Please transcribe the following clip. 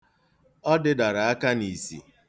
Ọ dịdara aka n'isi.